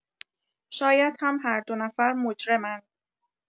شاید هم هر دو نفر مجرم‌اند.